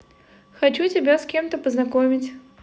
хочу тебя с кем то познакомить